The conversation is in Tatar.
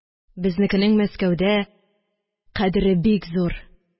Безнекенең Мәскәүдә кадере бик зур.